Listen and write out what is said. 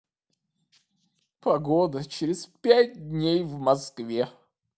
погода через пять дней в москве